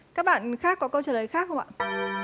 các bạn khác có câu trả lời khác không ạ